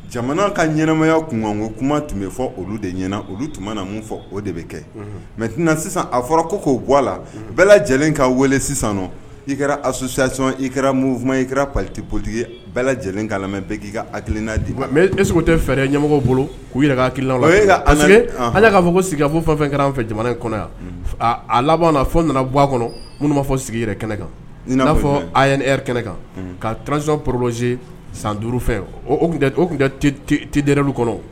Jamana ka ɲɛnaɛnɛmaya kun ko kuma tun bɛ fɔ olu de ɲɛna olu tun na mun fɔ o de bɛ kɛ mɛ tɛna sisan a fɔra ko k'o ga la bɛɛ lajɛlen ka wele sisan i kɛra a suyacɔn i kɛra mun kuma i kɛra patibutigi bɛɛ lajɛlen k'amɛ bɛ k'i ka aki n'a di mɛ eso tɛ fɛɛrɛ ɲɛmɔgɔ bolo k'u yɛrɛ'kilase hali k'a fɔ ko sigi ka fɔ fɛn kɛra an fɛ jamana kɔnɔ yan a laban fɔ nana bɔ a kɔnɔ minnu'a fɔ sigi yɛrɛ kɛnɛ kan'a fɔ a ye kɛnɛ kan ka tranzsiɔn prosee san duuruuru fɛ o tun ka tɛdr kɔnɔ